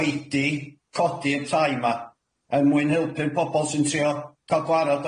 oedi codi y tai ma' er mwyn helpu'r pobol sy'n trio ca'l gwarad